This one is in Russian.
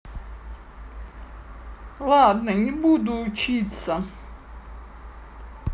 ладно не буду учиться